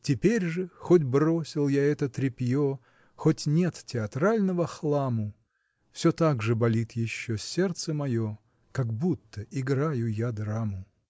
Теперь же, хоть бросил я это тряпье, Хоть нет театрального хламу, Всё так же болит еще сердце мое, Как будто играю я драму.